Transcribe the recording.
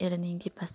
erining tepasida